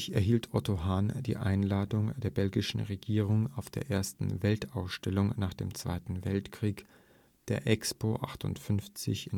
erhielt Otto Hahn die Einladung der belgischen Regierung, auf der ersten Weltausstellung nach dem Zweiten Weltkrieg, der Expo 58